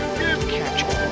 đây